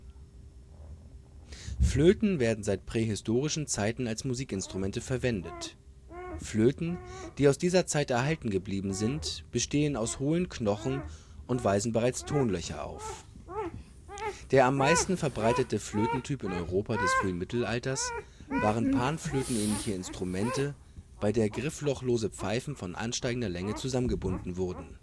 Flöten werden seit prähistorischen Zeiten als Musikinstrumente verwendet; Flöten, die aus dieser Zeit erhalten geblieben sind, bestehen aus hohlen Knochen und weisen bereits Tonlöcher auf. Der am meisten verbreitete Flötentyp im Europa des frühen Mittelalters waren panflötenähnliche Instrumente, bei der grifflochlose Pfeifen von ansteigender Länge zusammengebunden wurden